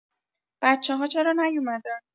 بچه‌ها چرا نیومدن؟